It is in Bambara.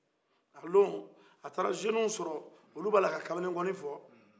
o don a taara zenu sɔrɔ olu bɛ a la ka kamalen ngoni fɔ